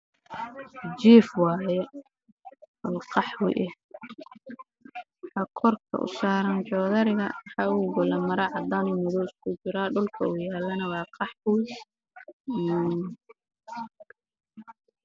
Jiif qaxwi ah waa korka kasaaran mara cadaan ah